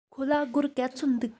ཁོ ལ སྒོར ག ཚོད འདུག